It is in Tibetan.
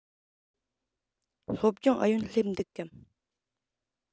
སློབ སྦྱོང ཨུ ཡོན སླེབས འདུག གམ